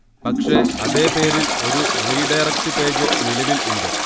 പക്ഷെ അതേ പേരിൽ ഒരു റീഡയറക്ട് പേജ് നിലവിൽ ഉണ്ട്